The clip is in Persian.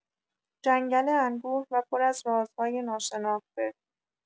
جنگل انبوه و پر از رازهای ناشناخته